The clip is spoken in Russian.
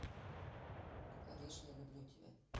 париж я люблю тебя